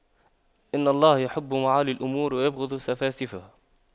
إن الله يحب معالي الأمور ويبغض سفاسفها